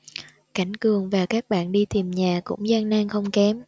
cảnh cường và các bạn đi tìm nhà cũng gian nan không kém